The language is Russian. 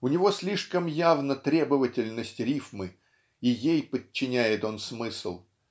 у него слишком явна требовательность рифмы и ей подчиняет он смысл.